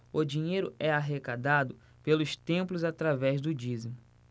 o dinheiro é arrecadado pelos templos através do dízimo